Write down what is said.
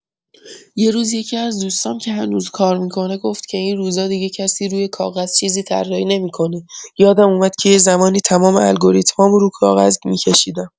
یه روز یکی‌از دوستام که هنوز کار می‌کنه گفت که این روزا دیگه کسی روی کاغذ چیزی طراحی نمی‌کنه، یادم اومد که یه زمانی تمام الگوریتم‌هامو روی کاغذ می‌کشیدم.